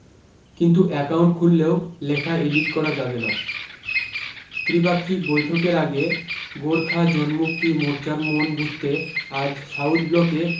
কিন্তু অ্যাকাউন্ট খুললেও লেখা এডিট করা যাবে না ত্রিপাক্ষিক বৈঠকের আগে গোর্খা জন্মুক্তি মোর্চার মন বুঝতে আজ সাউথ ব্লকে